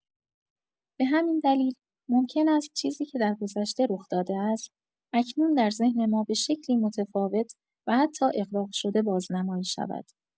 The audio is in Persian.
به همین دلیل، ممکن است چیزی که درگذشته رخ‌داده است، اکنون در ذهن ما به شکلی متفاوت و حتی اغراق‌شده بازنمایی شود.